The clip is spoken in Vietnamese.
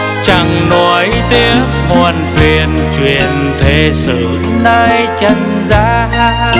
chẳng nuối tiếc muộn phiền chuyện thế sự nơi trần gian